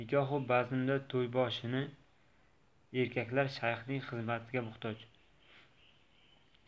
nikohu bazmlarda to'yboshi erkaklar shayxning xizmatiga muhtoj